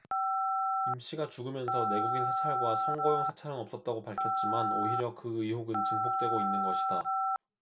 임씨가 죽으면서 내국인 사찰과 선거용 사찰은 없었다고 밝혔지만 오히려 그 의혹은 증폭되고 있는 것이다